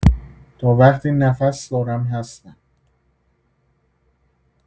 تا وقتی نفس دارم هستم.